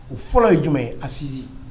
O fɔlɔ ye jumɛn ye asiz